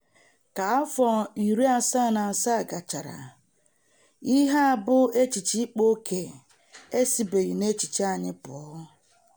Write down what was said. Ka afọ 77 gachara ihe a bụ [echiche ịkpa ókè] esibeghị n'echiche anyị pụọ.